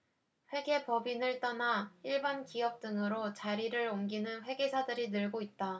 회계법인을 떠나 일반 기업 등으로 자리를 옮기는 회계사들이 늘고 있다